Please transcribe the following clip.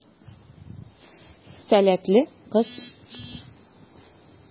Сәләтле кыз.